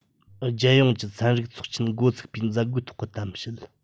རྒྱལ ཡོངས ཀྱི ཚན རིག ཚོགས ཆེན འགོ ཚུགས པའི མཛད སྒོའི ཐོག གི གཏམ བཤད